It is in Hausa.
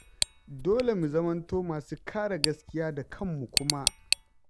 Dole mu zamanto masu kare gaskiya da kanmu kuma.